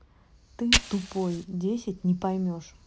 ты тупой десять не поймешь